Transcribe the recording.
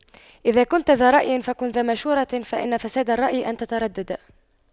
إذا كنتَ ذا رأيٍ فكن ذا مشورة فإن فساد الرأي أن تترددا